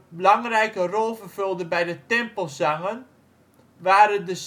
belangrijke rol vervulden bij de tempelzangen, waren de